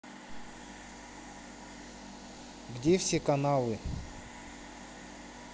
где все каналы